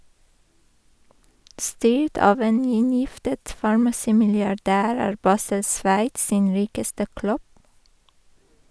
Styrt av en inngiftet farmasimilliardær er Basel Sveits sin rikeste klubb.